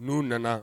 Nu nana.